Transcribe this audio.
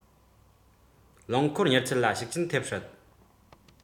རློང འཁོར མྱུར ཚད ལ ཤུགས རྐྱེན ཐེབས སྲིད